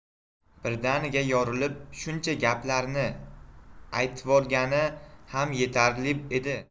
birdaniga yorilib shuncha gaplarni aytvorgani ham yetarli edi